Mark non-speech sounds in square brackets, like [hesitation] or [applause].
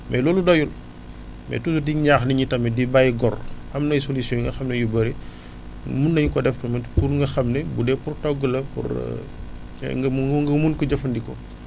mais loolu doyul mais toujours di ñaax nit ñi tamit di bàyyi gor am na ay soluions yi nga xam ne yu bëri [breath] mun nañu ko def tamit [noise] pour nga xam ne bu dee pour togg la pour [hesitation] nga mun nga mun ko jëfandikoo